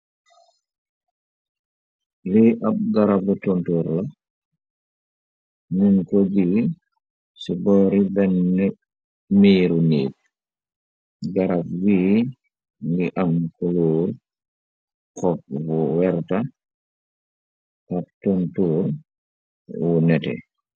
Lee ak garab tontor la nuñ ko dil ci boori ben miiru niit garab wii ngi am kuluur xob bu werta ta tontor wu nete.